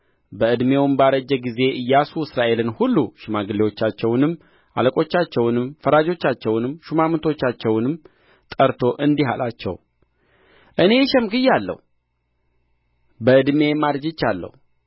በዕድሜውም ባረጀ ጊዜ ኢያሱ እስራኤልን ሁሉ ሽማግሌዎቻቸውንም አለቆቻቸውንም ፈራጆቻቸውንም ሹማምቶቻቸውንም ጠርቶ እንዲህ አላቸው እኔ ሸምግያለሁ በዕድሜም አርጅቻለሁ